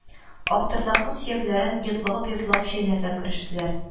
Актырнакның сөякләрен йотлыгып-йотлыгып чәйнәргә керештеләр